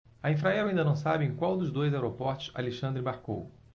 a infraero ainda não sabe em qual dos dois aeroportos alexandre embarcou